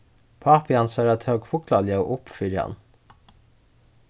pápi hansara tók fuglaljóð upp fyri hann